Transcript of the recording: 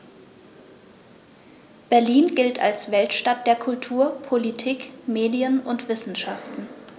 Berlin gilt als Weltstadt der Kultur, Politik, Medien und Wissenschaften.